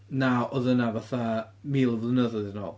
Na oedd yna fatha mil o flynyddoedd yn ôl.